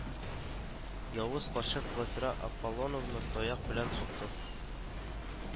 Явыз карчык Глафира Аполлоновна таяк белән сукты